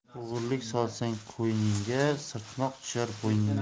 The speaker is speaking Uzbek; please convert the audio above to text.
o'g'irlik solsang qo'yningga sirtmoq tushar bo'yningga